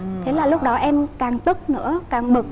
thế là lúc đó em càng tức nữa càng bực